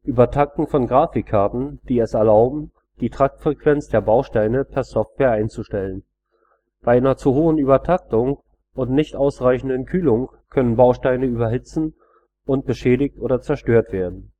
Übertakten von Grafikkarten, die es erlauben, die Taktfrequenz der Bausteine per Software einzustellen. Bei einer zu hohen Übertaktung und nicht ausreichenden Kühlung können Bausteine überhitzen und beschädigt oder zerstört werden